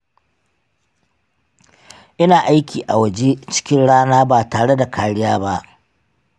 ina aiki a waje cikin rana ba tare da kariya ba